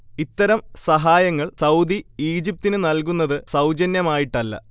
ഇത്തരം സഹായങ്ങൾ സൗദി ഈജ്പിതിന് നൽകുന്നത് സൗജന്യമായിട്ടല്ല